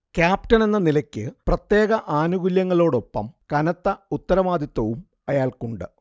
ക്യാപ്റ്റനെന്ന നിലയ്ക്ക് പ്രത്യേക ആനുകൂല്യങ്ങളോടൊപ്പം കനത്ത ഉത്തരവാദിത്തവും അയാൾക്കുണ്ട്